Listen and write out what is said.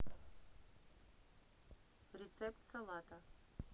рецепт салата